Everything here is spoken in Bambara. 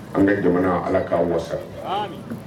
An ka jamana, ala k'a wasa. Amine .